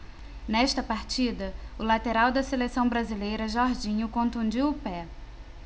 nesta partida o lateral da seleção brasileira jorginho contundiu o pé